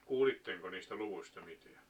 kuulitteko niistä luvuista mitään